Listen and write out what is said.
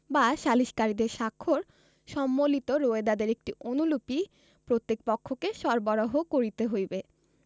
বা সালিসকারীদের স্বাক্ষর সম্বলিত রোয়েদাদের একটি অনুলিপি প্রত্যেক পক্ষকে সরবরাহ করিতে হইবে